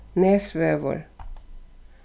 nesvegur